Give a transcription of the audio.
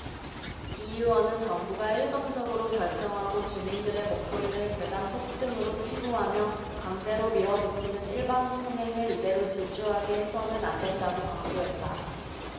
이 의원은 정부가 일방적으로 결정하고 주민들의 목소리를 괴담 폭동으로 치부하며 강제로 밀어붙이는 일방통행을 이대로 질주하게 해서는 안 된다고 강조했다